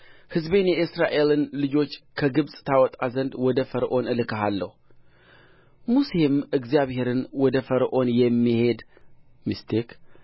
ሕዝቤን የእስራኤልን ልጆች ከግብፅ ታወጣ ዘንድ ወደ ፈርዖን እልክሃለሁ ሙሴም እግዚአብሔርን ወደ ፈርዖን